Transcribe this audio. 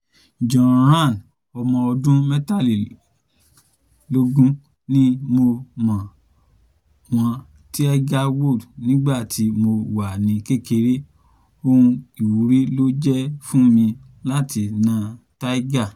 John Rahm, ọmọ ọdún 23, ní “Mo máa ń wo Tiger Woods nígbà tí mo wà ní kékeré. Ohun ìwúrí ló jẹ́ fún mi láti na Tiger.”